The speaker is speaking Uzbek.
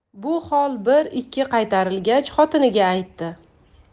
bu hol bir ikki qaytarilgach xotiniga aytdi